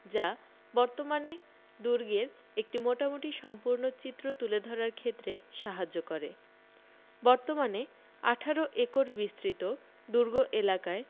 যা বর্তমানে দুর্গের একটি মোটামুটি সম্পূর্ণ চিত্র তুলে ধরার ক্ষেত্রে সাহায্য করে বর্তমানে ১৮ একর বিস্তৃত দুর্গ এলাকায়